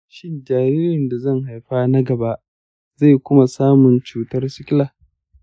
shin jaririn da zan haifa na gaba zai kuma samun cutar sikila?